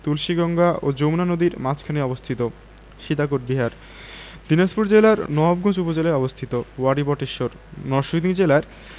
তুলসীগঙ্গা এবং যমুনা নদীর মাঝখানে অবস্থিত সীতাকোট বিহার দিনাজপুর জেলার নওয়াবগঞ্জ উপজেলায় অবস্থিত ওয়ারী বটেশ্বর নরসিংদী জেলার